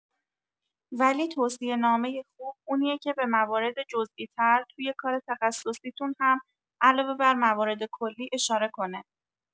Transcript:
ولی توصیه‌نامۀ خوب اونیه که به موارد جزیی‌تر توی کار تخصصیتون هم علاوه بر موارد کلی اشاره کنه.